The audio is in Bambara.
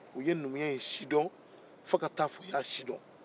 u ye numuya in sidɔn fo ka taa fɔ u y'a sidɔn